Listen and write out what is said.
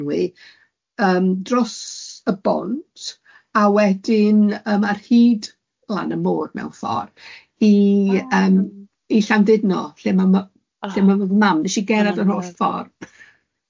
yym dros y bont a wedyn yym ar hyd lan y mor mewn ffor i yym i Llandudno lle ma lle ma mam, nes i gerdded y holl ffordd.